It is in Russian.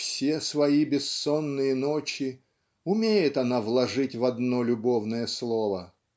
все свои бессонные ночи" умеет она вложить в одно любовное слово.